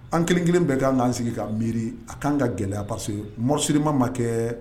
An kelen kelen bɛ ka kan' an sigi k ka miiri a kan ka gɛlɛya pas morisiri ma ma kɛ